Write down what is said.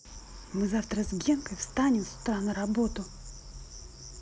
мы завтра с генкой встанем с утра на работу